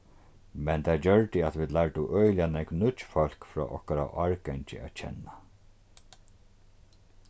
men tað gjørdi at vit lærdu øgiliga nógv nýggj fólk frá okkara árgangi at kenna